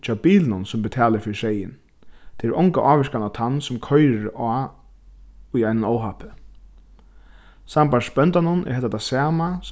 hjá bilinum sum betalir fyri seyðin tað hevur onga ávirkan á tann sum koyrir á í einum óhappi sambært bóndanum er hetta tað sama